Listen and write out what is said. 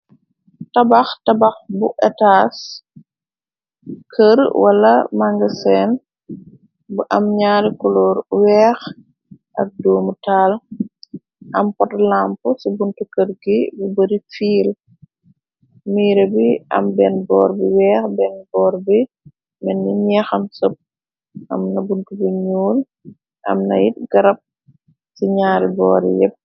Tabax tabax bu etas kër wala manga seen bu am ñaari kuloor weex ak duumu taal am pot lamp ci bunt kër gi bu bari fiil miira bi am benn boor bi weex benn boor bi menni ñeex am sëpp am na bunt bi ñuul am nayit garab ci ñaari boori yépp.